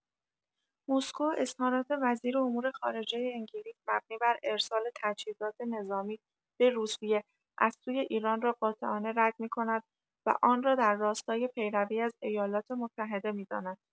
مسکو اظهارات وزیر امور خارجه انگلیس مبنی بر ارسال تجهیزات نظامی به روسیه از سوی ایران را قاطعانه رد می‌کند و آن را در راستای پیروی از ایالات‌متحده می‌داند.